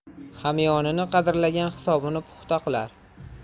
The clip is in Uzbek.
hamyonini qadrlagan hisobini puxta qilar